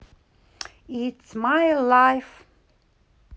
its my life